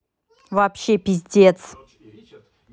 вообще пиздец